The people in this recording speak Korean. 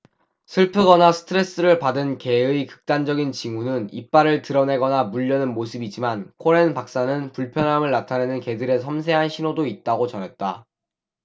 슬프거나 스트레스를 받은 개의 극단적인 징후는 이빨을 드러내거나 물려는 모습이지만 코렌 박사는 불편함을 나타내는 개들의 섬세한 신호도 있다고 전했다